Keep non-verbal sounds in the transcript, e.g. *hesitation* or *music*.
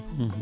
*hesitation* *hesitation*